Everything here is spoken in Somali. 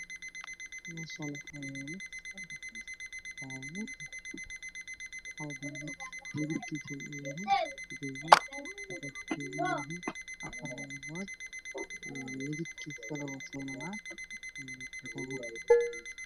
Meshaan waxaa yaala papuur hal papuur kalarkiisu uuyahay gaduud midapka hoosan waa midap dahab